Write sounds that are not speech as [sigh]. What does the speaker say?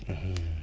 [hesitation] [hesitation]